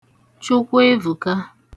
Chukwuevùka